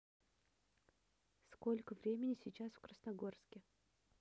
сколько времени сейчас в красногорске